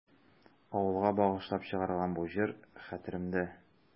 Авылга багышлап чыгарылган бу җыр хәтеремдә.